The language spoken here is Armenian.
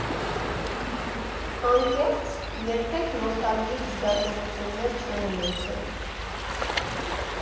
Անկեղծ՝ երբեք նոստալգիկ զգացողություններ չեմ ունեցել։